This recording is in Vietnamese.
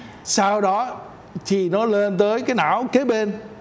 sao đó thì nó lên tới cái não kế bên